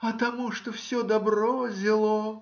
— А тому, что все добро зело.